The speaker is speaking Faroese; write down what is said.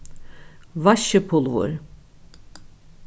vaskipulvur